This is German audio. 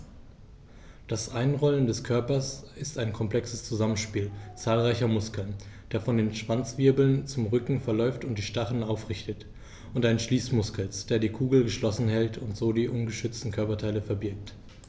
Das Einrollen des Körpers ist ein komplexes Zusammenspiel zahlreicher Muskeln, der von den Schwanzwirbeln zum Rücken verläuft und die Stacheln aufrichtet, und eines Schließmuskels, der die Kugel geschlossen hält und so die ungeschützten Körperteile verbirgt.